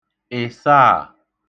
ị̀saà